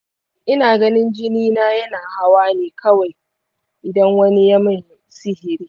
ina ganin jini na yana hawa ne kawai idan wani ya min sihiri.